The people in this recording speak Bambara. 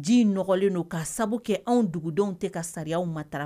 Ji nɔgɔlen don ka sababu kɛ anw dugudenw tɛ ka sariyaya ma taara